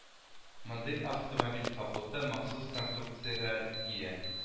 Мондый автомобиль капоты махсус конструкциягә ия